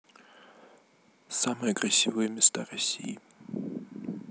самые красивые места россии